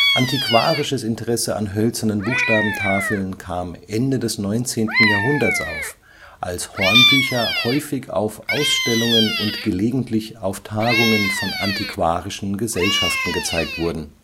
Antiquarisches Interesse an hölzernen Buchstabentafeln kam Ende des 19. Jahrhunderts auf, als Hornbücher häufig auf Ausstellungen und gelegentlich auf Tagungen von antiquarischen Gesellschaften gezeigt wurden